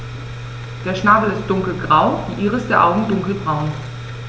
Der Schnabel ist dunkelgrau, die Iris der Augen dunkelbraun.